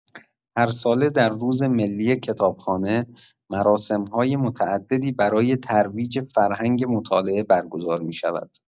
هرساله در روز ملی کتابخانه، مراسم‌های متعددی برای ترویج فرهنگ مطالعه برگزار می‌شود.